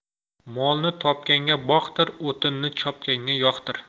molni topganga boqtir o'tinni chopganga yoqtir